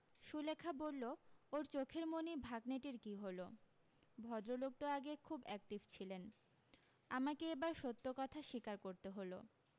সুলেখা বললো ওর চোখের মণি ভাগ্নেটির কী হলো ভদ্রলোক তো আগে খুব অ্যাকটিভ ছিলেন আমাকে এবার সত্য কথা স্বীকার করতে হলো